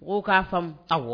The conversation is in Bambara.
O k'a fa aw wa